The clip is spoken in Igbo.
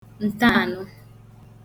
ǹtaànụ